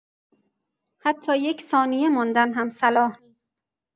حتی یک ثانیه ماندن هم صلاح نیست.